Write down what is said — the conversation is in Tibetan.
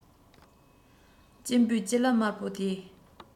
གཅེན པོས ལྕེ ལེབ དམར པོ དེས